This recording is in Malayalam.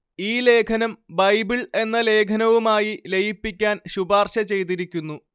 ഈ ലേഖനം ബൈബിള്‍ എന്ന ലേഖനവുമായി ലയിപ്പിക്കാന്‍ ശുപാര്‍ശ ചെയ്തിരിക്കുന്നു